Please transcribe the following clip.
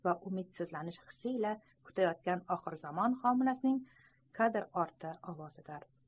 va umidsizlanish hissi ila kutayotgan oxirzamon homilasining kadr orti ovozidir